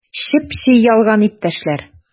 Чеп-чи ялган, иптәшләр!